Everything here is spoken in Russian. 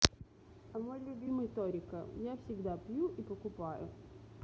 а мой любимый торико я всегда пью и покупаю